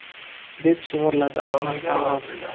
deb shivirladi ahmad tanbal